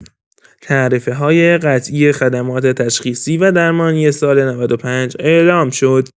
تعرفه‌های قطعی خدمات تشخیصی و درمانی سال ۹۵ اعلام شد.